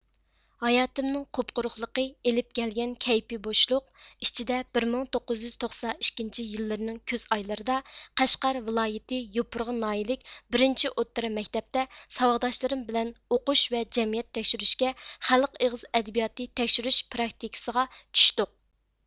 ھاياتىمنىڭ قۇپقۇرۇقلۇقى ئېلىپ كەلگەن كەيپى بوشلۇق ئىچىدە بىر مىڭ توققۇز يۈز توقسەن ئىككىنچى يىللىرىنىڭ كۈز ئايلىرىدا قەشقەر ۋىلايىتى يوپۇرغا ناھىيىلىك بىرىنچى ئوتتۇرا مەكتەپتە ساۋاقداشلىرىم بىلەن ئوقۇش ۋە جەمئىيەت تەكشۈرۈشكە خەلق ئېغىز ئەدەبىياتى تەكشۈرۈش پراكتىكىسىغا چۈشتۇق